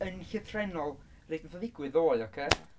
yn llythrennol, reit wnaeth o ddigwydd ddoe ocê?